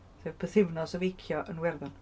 Sef pythefnos o feicio yn Iwerddon.